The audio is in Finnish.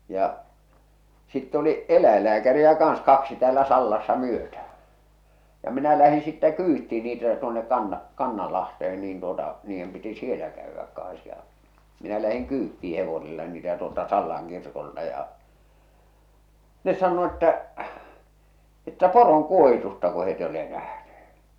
ja sitten oli eläinlääkäreitä kanssa kaksi täällä Sallassa myötään ja minä lähdin sitten kyytiin niitä tuonne - Kannanlahteen niin tuota niiden piti siellä käydä kanssa ja minä lähdin kyytiin hevosella niitä tuolta Sallan kirkolta ja ne sanoi että että poronkuohitusta kun he ei ole nähneet